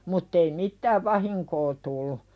mutta ei mitään vahinkoa tullut